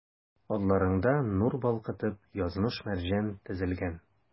Алларыңда, нур балкытып, язмыш-мәрҗән тезелгән.